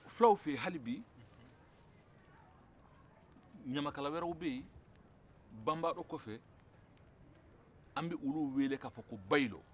filaw fɛ yen hali bi ɲamakala wɛrɛw bɛ yen banbaro kɔfɛ an bɛ olu weleka fɔ bayilu